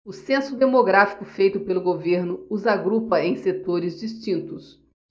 o censo demográfico feito pelo governo os agrupa em setores distintos